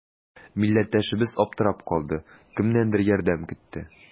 Милләттәшебез аптырап калды, кемнәндер ярдәм көтте.